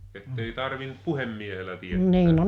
että ei tarvinnut puhemiehellä teettää